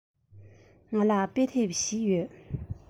ང ལ དཔེ དེབ བཞི ཡོད